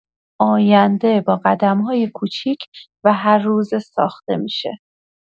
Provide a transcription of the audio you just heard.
آینده با قدم‌های کوچیک و هرروزه ساخته می‌شه.